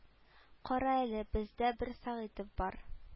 Кара әле бездә бер сәгыйтов бар